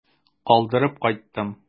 Калдырып кайттым.